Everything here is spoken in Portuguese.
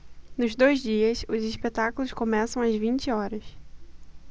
nos dois dias os espetáculos começam às vinte horas